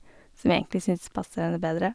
Som vi egentlig syns passer henne bedre.